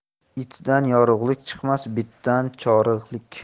itdan yorug'lik chiqmas bitdan chorig'lik